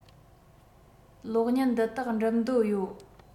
གློག བརྙན འདི དག སྒྲུབ འདོད ཡོད